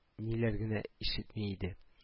Ниләр генә ишетми иде